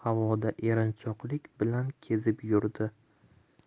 havoda erinchoqlik bilan kezib yurdi